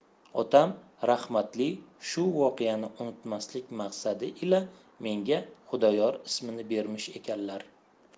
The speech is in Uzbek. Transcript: otam rahmatli shu voqeani unutmaslik maqsadi ila menga xudoyor ismini bermish ekanlar